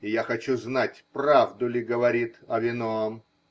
И я хочу знать, правду ли говорит Авиноам?